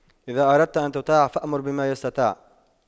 إذا أردت أن تطاع فأمر بما يستطاع